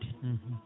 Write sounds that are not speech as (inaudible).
(hesitation) (hesitation)